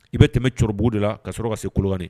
I bɛ tɛmɛ Cɔribugu de la ka sɔrɔ ka se Kolokani.